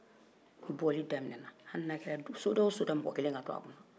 ni bɔli daminɛna hali n'a kɛra soda o soda mɔgɔ kelen ka to a kɔnɔ